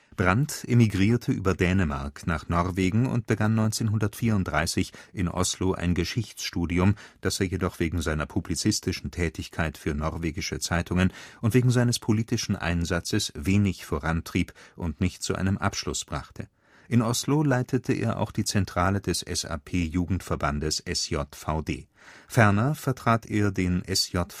Brandt emigrierte über Dänemark nach Norwegen und begann 1934 in Oslo ein Geschichtsstudium, das er jedoch wegen seiner publizistischen Tätigkeit für norwegische Zeitungen und seines politischen Einsatzes wenig vorantrieb und nicht zu einem Abschluss brachte. In Oslo leitete er auch die Zentrale des SAP-Jugendverbandes SJVD. Ferner vertrat er den SJVD